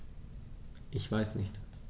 Ich weiß nicht.